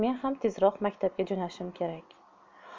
men ham tezroq maktabga jo'nashim kerak